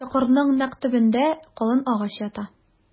Чокырның нәкъ төбендә калын агач ята.